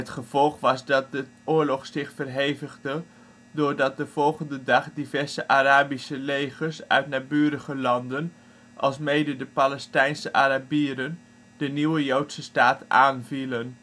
gevolg was dat de oorlog zich verhevigde doordat de volgende dag diverse Arabische legers uit naburige landen alsmede de Palestijnse Arabieren de nieuwe Joodse staat aanvielen